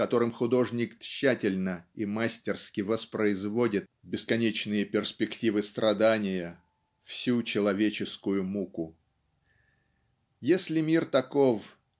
с которым художник тщательно и мастерски воспроизводит бесконечные перспективы страдания всю человеческую муку. Если мир таков